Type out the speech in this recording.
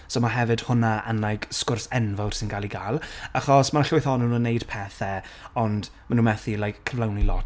so ma' hefyd hwnna yn like sgwrs enfawr sy'n cael ei gael, achos ma' 'na llwyth ohononyn nhw'n wneud pethe, ond ma' nhw methu, like, cyflawni lot